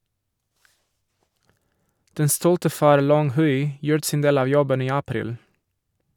Den stolte far Long Hui gjorde sin del av jobben i april.